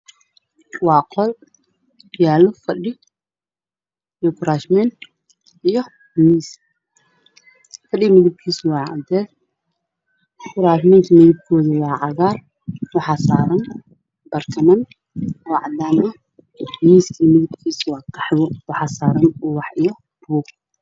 Halkaan waxaa ka muuqdo qol uu yaalo fadhi midabkiisu yahay cadays iyo labo kursi cagaar xigeen iyo cadays ah iyo miis qaxwi iyo jaalo uu saaran yahay ubax cadaan iyo cagaar